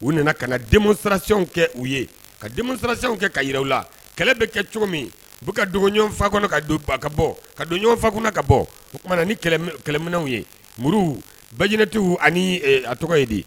U nana ka den siranw kɛ u ye ka denw kɛ ka yi u la kɛlɛ bɛ kɛ cogo min u ka don ɲɔgɔn fa kɔnɔ ka don ba ka bɔ ka don ɲɔgɔn fa kunna ka bɔ oumana na ni kɛlɛminw ye muru ba jtigiww ani a tɔgɔ ye de